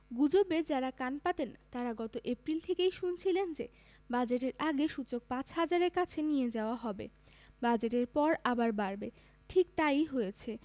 গুজবে যাঁরা কান পাতেন তাঁরা গত এপ্রিল থেকেই শুনছিলেন যে বাজেটের আগে সূচক ৫ হাজারের কাছে নিয়ে যাওয়া হবে বাজেটের পরে আবার বাড়বে ঠিক তা ই হয়েছে